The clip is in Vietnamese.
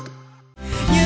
những